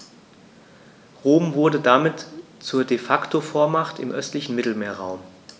Rom wurde damit zur ‚De-Facto-Vormacht‘ im östlichen Mittelmeerraum.